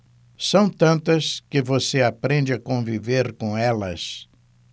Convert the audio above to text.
são tantas que você aprende a conviver com elas